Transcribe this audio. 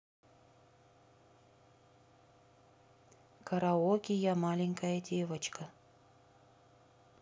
караоке я маленькая девочка